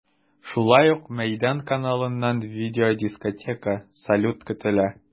Шулай ук “Мәйдан” каналыннан видеодискотека, салют көтелә.